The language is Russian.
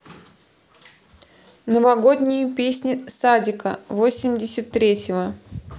новогодние песни садика восемьдесят третьего